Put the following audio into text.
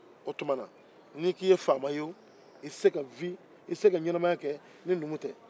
o tuma na n'i ko i ye fama ye o i tɛ se ka vi i tɛ se ka ɲɛnamaya kɛ ni numu tɛ